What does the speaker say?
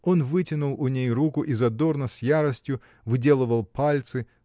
Он вытянул у ней руку и задорно, с яростью, выделывал пальцы